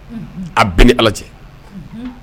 A bɛ ni Ala cɛ